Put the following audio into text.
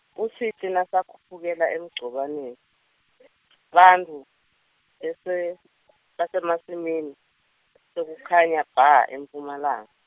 utsite nasakhuphukela eMgcobani bantfu bese basemasimini sekukhanya bha eMphumalanga.